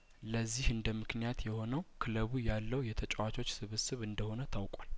ለዚህ እንደምክንያት የሆነው ክለቡ ያለው የተጨዋቾች ስብስብ እንደሆነ ታውቋል